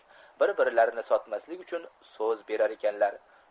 bir birlarini sotmaslik uchun so'z berar ekanlar